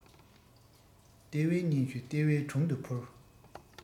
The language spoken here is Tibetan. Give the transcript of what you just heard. ལྟེ བའི སྙན ཞུ ལྟེ བའི དྲུང དུ ཕུལ